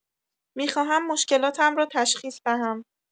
می‌خواهم مشکلاتم را تشخیص دهم.